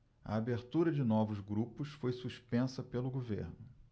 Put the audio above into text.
a abertura de novos grupos foi suspensa pelo governo